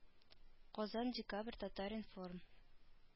Казан декабрь татар информ